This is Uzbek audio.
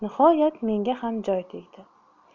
nihoyat menga ham joy tegdi